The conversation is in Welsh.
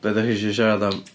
Be dach chi isio siarad am?